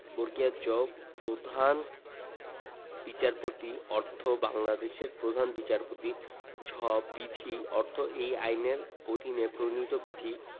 জ প্রধান বিচারপতি অর্থ বাংলাদেমের প্রধান বিচারপতি ঝ বিধি অর্থ এই আইনের অধীনে প্রণীত বিধি